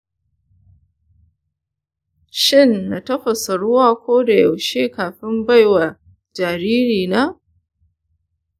shin na tafasa ruwa ko da yaushe kafin na bai wa jariri na?